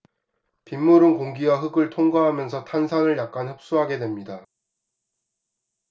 빗물은 공기와 흙을 통과하면서 탄산을 약간 흡수하게 됩니다